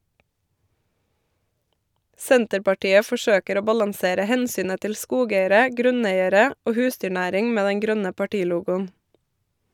Senterpartiet forsøker å balansere hensynet til skogeiere, grunneiere og husdyrnæring med den grønne partilogoen.